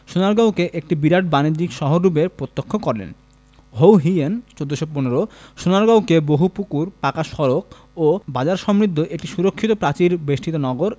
সোনারগাঁওকে একটি বিরাট বাণিজ্যিক শহররূপে প্রত্যক্ষ করেন হৌ হিয়েন ১৪১৫ সোনারগাঁওকে বহু পুকুর পাকা সড়ক ও বাজার সমৃদ্ধ একটি সুরক্ষিত প্রাচীর বেষ্টিত নগর